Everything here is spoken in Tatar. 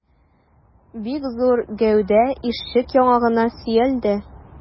Бик зур гәүдә ишек яңагына сөялде.